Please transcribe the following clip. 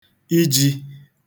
ijī